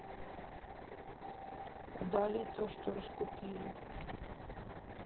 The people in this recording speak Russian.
удали то что раскупили